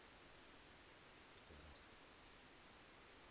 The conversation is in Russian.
пидарасты